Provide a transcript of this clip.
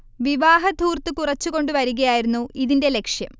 വിവാഹധൂർത്ത് കുറച്ച് കൊണ്ടു വരികയായിരുന്നു ഇതിന്റെ ലക്ഷ്യം